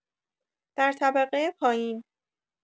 در طبقه پایین